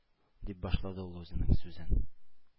— дип башлады ул үзенең сүзен